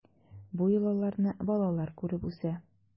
Бу йолаларны балалар күреп үсә.